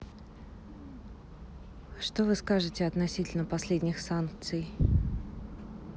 что вы скажете относительно последних санкций